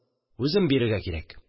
Үзем бирергә кирәк